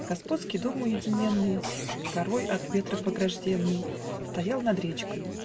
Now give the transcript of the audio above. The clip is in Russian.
Господский дом уединенный, Горой от ветров огражденный, Стоял над речкою.